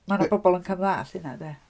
Mae yna bobl yn camddallt hynna de.